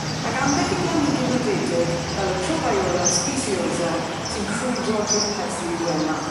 Ag ambell i blanhigyn nodedig fel y tropaeolum speciosum sy'n crwydro trwy'r perth ywen 'ma.